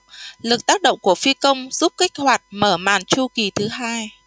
lực tác động của phi công giúp kích hoạt mở màn chu kì thứ hai